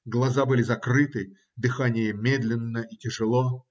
Глаза были закрыты, дыхание медленно и тяжело.